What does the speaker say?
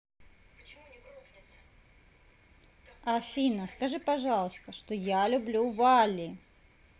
афина скажи пожалуйста что я люблю вали